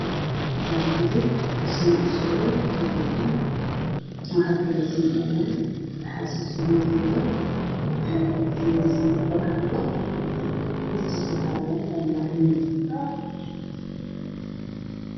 Waa guri dhismo ku socdo oo qabyo ah waxaa kuwareegsan alwaax, biro sursun iyo dhagax, hortiisa waxaa yaalo alwaaxyo.